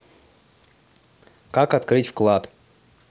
как открыть вклад